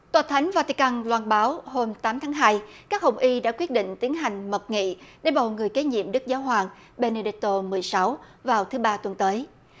tòa thánh van ti căng loan báo hôm tám tháng hai các hồng y đã quyết định tiến hành mật nghị để bầu người kế nhiệm đức giáo hoàng bê lê đê tô mười sáu vào thứ ba tuần tới